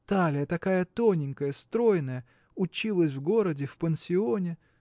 Талия такая тоненькая, стройная; училась в городе, в пансионе.